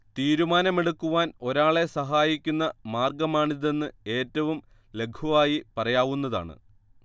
തീരുമാനമെടുക്കുവാൻ ഒരാളെ സഹായിക്കുന്ന മാർഗ്ഗമാണിതെന്ന് ഏറ്റവും ലഘുവായി പറയാവുന്നതാണ്